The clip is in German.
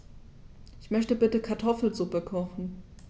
Ich möchte bitte Kartoffelsuppe kochen.